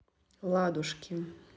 ладушки